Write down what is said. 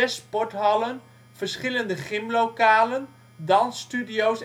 sporthallen, verschillende gymlokalen, dansstudio